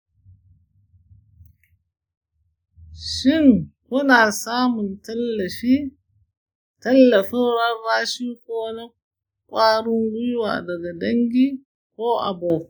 shin kuna samun tallafin rarrashi ko na kwarin gwiwa daga dangi ko abokai?